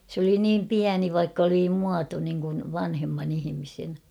se oli niin pieni vaikka oli muoto niin kuin vanhemman ihmisen